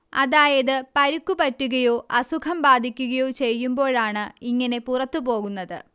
അതായത് പരിക്കു പറ്റുകയോ അസുഖം ബാധിക്കുകയോ ചെയ്യുമ്പോഴാണ് ഇങ്ങനെ പുറത്തുപോകുന്നത്